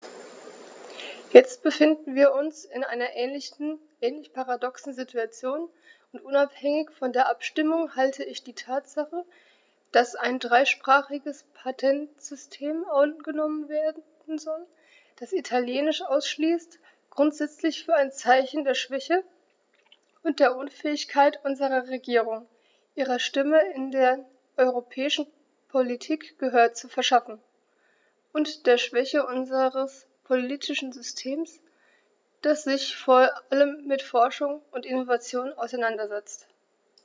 Jetzt befinden wir uns in einer ähnlich paradoxen Situation, und unabhängig von der Abstimmung halte ich die Tatsache, dass ein dreisprachiges Patentsystem angenommen werden soll, das Italienisch ausschließt, grundsätzlich für ein Zeichen der Schwäche und der Unfähigkeit unserer Regierung, ihrer Stimme in der europäischen Politik Gehör zu verschaffen, und der Schwäche unseres politischen Systems, das sich vor allem mit Forschung und Innovation auseinandersetzt.